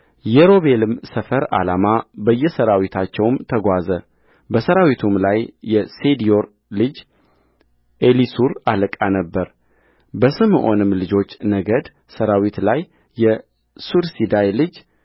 የሮቤልም ሰፈር ዓላማ በየሠራዊታቸው ተጓዘ በሠራዊቱም ላይ የሰዲዮር ልጅ ኤሊሱር አለቃ ነበረበስምዖንም ልጆች ነገድ ሠራዊት ላይ የሱሪሰዳይ ልጅ